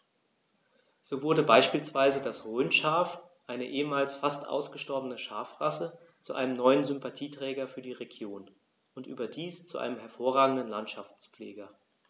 So wurde beispielsweise das Rhönschaf, eine ehemals fast ausgestorbene Schafrasse, zu einem neuen Sympathieträger für die Region – und überdies zu einem hervorragenden Landschaftspfleger.